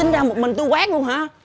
chính ra một mình tui quét luôn hả